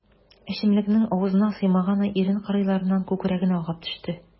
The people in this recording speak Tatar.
Эчемлекнең авызына сыймаганы ирен кырыйларыннан күкрәгенә агып төште.